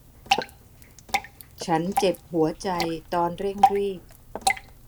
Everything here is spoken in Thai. ฉันเจ็บหัวใจตอนเร่งรีบ